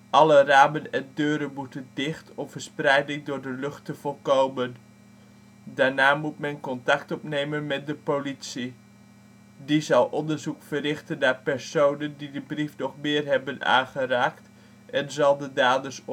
Alle ramen en deuren moeten dicht om verspreiding door de lucht te voorkomen. Daarna moet men contact opnemen met de politie. Die zal onderzoek verrichten naar personen die de brief nog meer hebben aangeraakt en zal de daders